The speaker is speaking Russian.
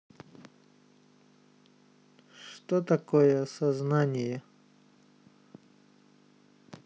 что такое осознание